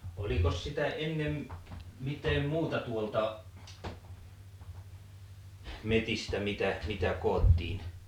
olikos sitä ennen mitään muuta tuolta metsistä mitä mitä koottiin